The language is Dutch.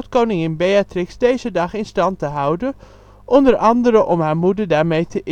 Koningin Beatrix deze dag in stand te houden, onder andere om haar moeder daarmee te